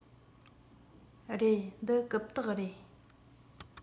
རེད འདི རྐུབ སྟེགས རེད